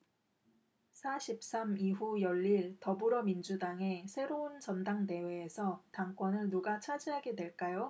사 십 삼 이후 열릴 더불어민주당의 새로운 전당대회에서 당권을 누가 차지하게 될까요